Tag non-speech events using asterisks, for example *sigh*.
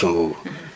*hesitation* *hesitation*